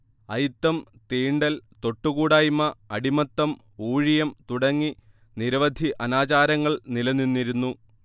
അയിത്തം തീണ്ടൽ തൊട്ടുകൂടായ്മ അടിമത്തം ഊഴിയം തുടങ്ങി നിരവധി അനാചാരങ്ങൾ നിലനിന്നിരുന്നു